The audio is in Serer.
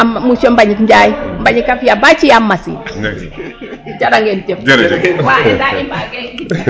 a monsieur Mbagnick Ndiaye Mbagnick a fi'a ba ci'am machine jaragen jef